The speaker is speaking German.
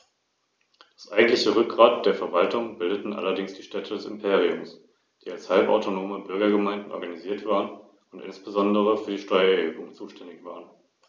Nach dem Fall Saguntums und der Weigerung der Regierung in Karthago, Hannibal auszuliefern, folgte die römische Kriegserklärung.